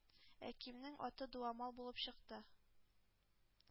Ә Кимнең аты дуамал булып чыкты, һ